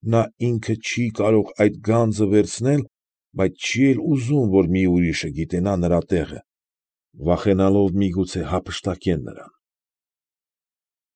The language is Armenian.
Նա ինքը չի կարող այդ գանձը վերցնել, բայց չի էլ ուզում, որ մի ուրիշը գիտենա նրա տեղը, վախենալով միգուցե հափշտակեն նրան։